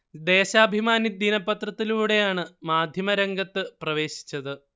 ദേശാഭിമാനി ദിനപത്രത്തിലൂടെയാണ് മാധ്യമ രംഗത്ത് പ്രവേശിച്ചത്